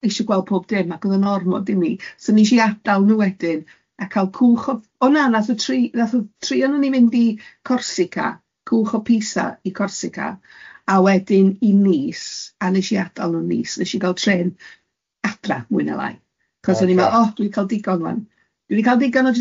...isio gweld pob dim a odd o'n ormod i mi, so nes i adal nhw wedyn a cwch, o o na nath y tri nath, nath y tri ohona ni fynd i Corsica, cwch o Pisa i Corsica, a wedyn i Nice, a nes i adal yn Nice, nes i gal tren adra mwy na lai... Oh reit. ...cos o ni'n meddwl dwi di cal digon rwan, dwi di cal digon